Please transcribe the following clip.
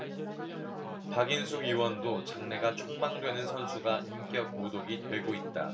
박인숙 의원도 장래가 촉망되는 선수가 인격모독이 되고 있다